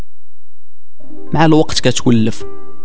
مع الوقت كلف